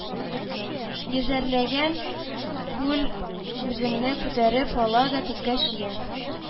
Йөзәрләгән кул үзеңне күтәреп ала да күккә чөя